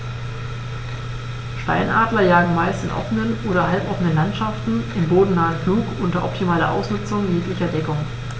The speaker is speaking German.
Steinadler jagen meist in offenen oder halboffenen Landschaften im bodennahen Flug unter optimaler Ausnutzung jeglicher Deckung.